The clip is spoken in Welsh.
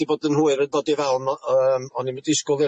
'di bod yn hwyr yn dod i fewn o- yym o'n i'm yn disgwl